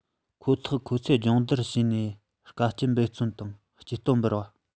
ཁོ ཐག ཁོ ཚོས སྦྱོང བརྡར བྱས ནས དཀའ སྤྱད འབད བརྩོན དང སྐྱེ སྟོབས འབར བ